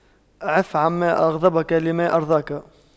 اعف عما أغضبك لما أرضاك